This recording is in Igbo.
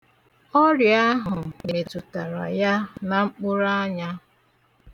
Ọrịa ahụ metutara ya na mkpụrụanya.